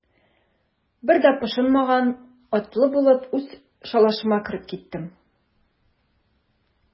Бер дә пошынмаган атлы булып, үз шалашыма кереп киттем.